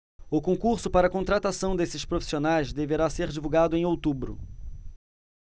o concurso para contratação desses profissionais deverá ser divulgado em outubro